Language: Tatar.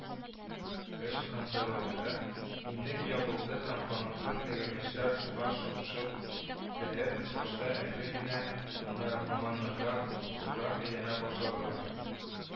Ычкындырылды, иннек ябылды һәм канатлы тәгәрмәчләр, суга шап-шоп бәреп, башта әкрен генә, аннары һаман ныграк, кызурак әйләнә башладылар